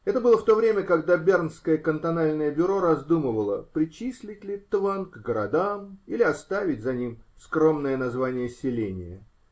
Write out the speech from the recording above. Это было в то время, когда бернское кантональное бюро раздумывало, причислить ли Тванн к городам или оставить за ним скромное название селения.